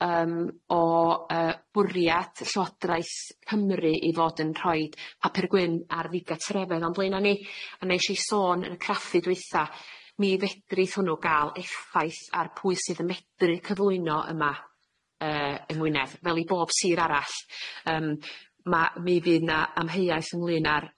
yym o yy bwriad llywodraeth Cymru i fod yn rhoid papur gwyn ar ddigatrefedd o'n bleuna ni a nesh i sôn yn y craffu dwytha mi fedrith hwnnw ga'l effaith ar pwy sydd yn medru cyflwyno yma yy yng Ngwynedd fel i bob sir arall yym ma' mi fydd 'na amheuaeth ynglŷn â'r